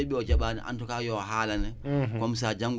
comme ça